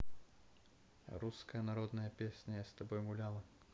русская народная песня я с тобой гуляла